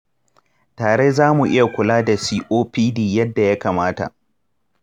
tare za mu iya kula da copd yadda ya kamata.